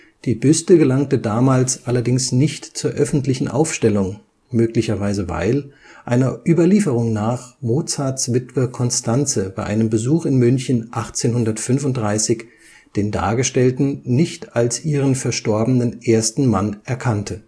Die Büste gelangte damals allerdings nicht zur öffentlichen Aufstellung, möglicherweise weil, einer Überlieferung nach, Mozarts Witwe Constanze bei einem Besuch in München 1835 den Dargestellten nicht als ihren verstorbenen ersten Mann erkannte